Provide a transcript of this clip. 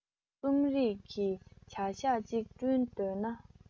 རྩོམ རིག གི བྱ བཞག ཅིག བསྐྲུན འདོད ན